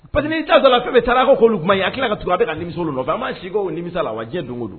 Pa que ni la fɛn bɛ taa a ko k oluolu kuma ye a tilala ka to a bɛ ka nimi nɔfɛ a ma si omisa la a wajɛ don don